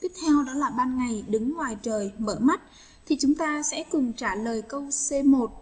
tiếp theo đó là ban ngày đứng ngoài trời mưa thì chúng ta sẽ cùng trả lời câu c